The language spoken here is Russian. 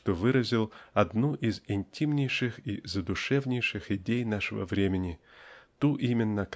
что выразил одну из интимнейших и задушевнейших идей нашего времени ту именно